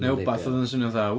Neu rhywbeth oedd o'n swnio fatha...